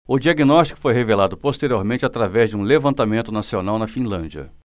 o diagnóstico foi revelado posteriormente através de um levantamento nacional na finlândia